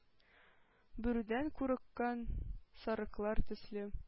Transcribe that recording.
Бүредән курыккан сарыклар төсле,